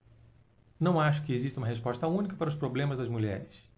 não acho que exista uma resposta única para os problemas das mulheres